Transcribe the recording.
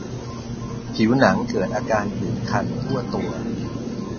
ผิวหนังเกิดอาการผื่นคันทั่วตัว